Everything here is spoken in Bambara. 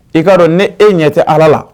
I ka dɔn ne e ɲɛ tɛ Ala la